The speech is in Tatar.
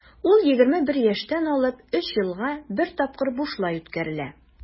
Ул 21 яшьтән алып 3 елга бер тапкыр бушлай үткәрелә.